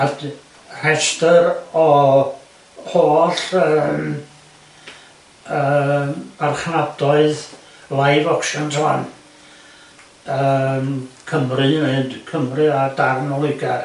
A d- rhesr o holl yym yym marchnadoedd live auctions rŵan yym Cymru, neud Cymru a darn o Loegar.